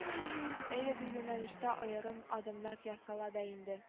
Әлеге юнәлештә аерым адымнар ясала да инде